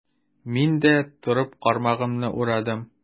Мин дә, торып, кармагымны урадым.